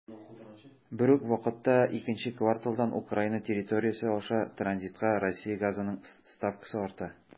Бер үк вакытта икенче кварталдан Украина территориясе аша транзитка Россия газының ставкасы арта.